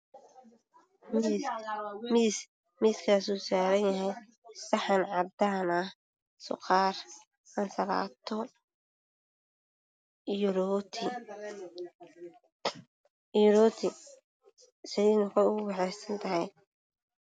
Miis miskasoo sanyahay saxan cadaan ah suqaar ansalaato iyo rooti saliidna kor ogu waxeysantahay